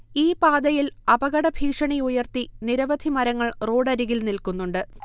ഈപാതയിൽ അപകടഭീഷണിയുയർത്തി നിരവധി മരങ്ങൾ റോഡരികിൽ നിൽക്കുന്നുണ്ട്